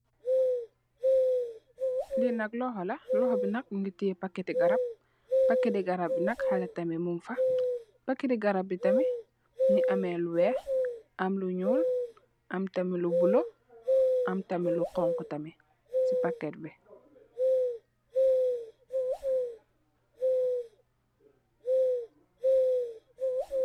Lee nak lohou la lohou be nak muge teye packete garab packete garab be nak haleh tamin mugfa packete garab tamin muge ameh lu weex am lu nuul am tamin lu bulo am tamin lu xonxo tamin se packet be.